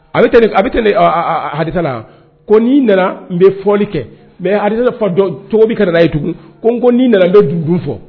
A a bɛ ha na ko n'i nana n bɛ fɔli kɛ mɛ a ne fa dɔn cogobi ka'a ye tugun ko ni nana n don dugu dun fɔ